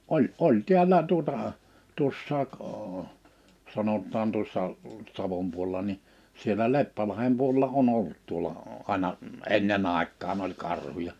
oli oli täällä tuota tuossa - sanotaan tuossa Savon puolella niin siellä Leppälahden puolella on ollut tuolla aina ennen aikaan oli karhuja